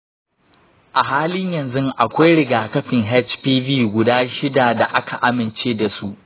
a halin yanzu, akwai rigakafin hpv guda shida da aka amince da su.